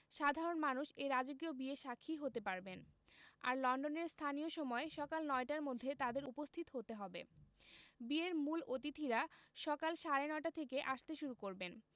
সাধারণ মানুষ এই রাজকীয় বিয়ের সাক্ষী হতে পারবেন আর লন্ডনের স্থানীয় সময় সকাল নয়টার মধ্যে তাঁদের উপস্থিত হতে হবে বিয়ের মূল অতিথিরা সকাল সাড়ে নয়টা থেকে আসতে শুরু করবেন